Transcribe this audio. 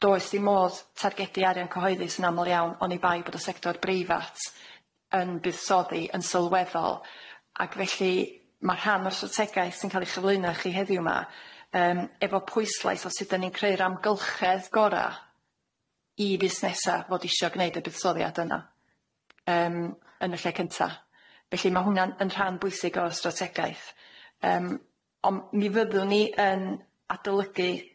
does ddim modd targedu arian cyhoeddus yn amal iawn oni bai bod y sector breifat yn buddsoddi yn sylweddol ac felly ma' rhan o'r strategaeth sy'n ca'l ei chyflwyno i chi heddiw ma' yym efo pwyslais o sud dan ni'n creu'r amgylchedd gora' i busnesa fod isio gneud y buddsoddiad yna yym yn y lle cynta felly ma' hwnna'n yn rhan bwysig o'r strategaeth yym ond mi fyddwn ni yn adolygu